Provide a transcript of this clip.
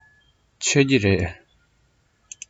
མཆོད ཀྱི རེད